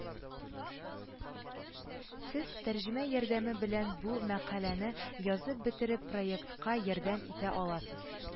Сез тәрҗемә ярдәме белән бу мәкаләне язып бетереп проектка ярдәм итә аласыз